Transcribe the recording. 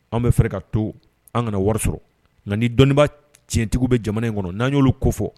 Anw be fɛrɛ ka to an ŋana wari sɔrɔ ŋa ni dɔnniba t tiɲɛtigiw be jamana in ŋɔnɔ n'an y'olu ko fɔ